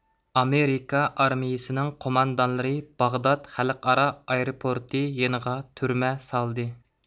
ئامېرىكا ئارمىيىسىنىڭ قوماندانلىرى باغداد خەلقئارا ئايروپورتى يېنىغا تۈرمە سالدى